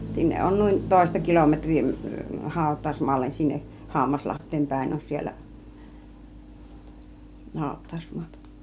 sinne on noin toista kilometriä hautausmaalle sinne Hammaslahteen päin on siellä hautausmaata